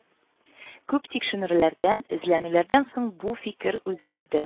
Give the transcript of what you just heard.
Күп тикшеренүләрдән, эзләнүләрдән соң бу фикер үзгәрд